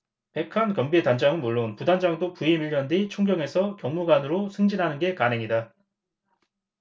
백 한 경비단장은 물론 부단장도 부임 일 년 뒤 총경에서 경무관으로 승진하는 게 관행이다